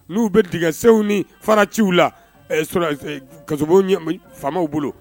N'u bɛ tigɛsɛw ni fana ci la ka faamaw bolo